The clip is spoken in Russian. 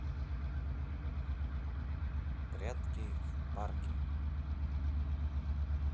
прятки в парке